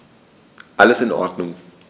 Alles in Ordnung.